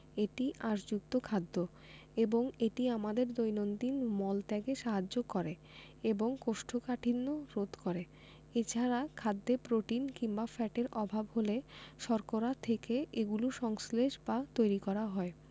এটি আঁশযুক্ত খাদ্য এবং এটি আমাদের দৈনন্দিন মল ত্যাগে সাহায্য করে এবং কোষ্ঠকাঠিন্য রোধ করে এছাড়া খাদ্যে প্রোটিন কিংবা ফ্যাটের অভাব হলে শর্করা থেকে এগুলো সংশ্লেষ বা তৈরী করা হয়